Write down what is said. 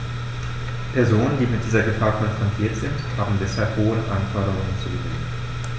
Personen, die mit dieser Gefahr konfrontiert sind, haben deshalb hohen Anforderungen zu genügen.